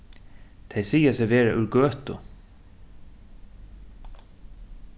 tey siga seg vera úr gøtu